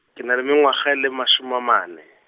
ke na le mengwaga e le masome amane.